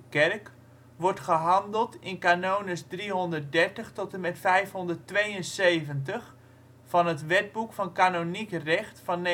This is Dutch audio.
Kerk wordt gehandeld in canones 330 tot en met 572 van het Wetboek van Canoniek Recht van